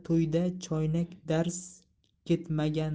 to'yda choynak darz ketmagan